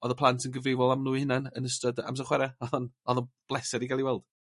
odd y plant yn gyfrifol am nw 'u hunnan yn ystod amser chware odd o'n odd o'n bleser i gael 'i weld.